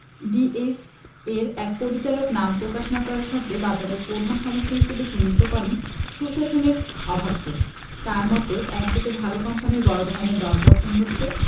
DSE এর এক পরিচালক নাম প্রকাশ না করার শর্তে বাজারের প্রধান সমস্যা হিসেবে চিহ্নিত করেন সুশাসনের অভাবকে তাঁর মতে একদিকে ভালো কোম্পানির বড় ধরনের দরপতন ঘটছে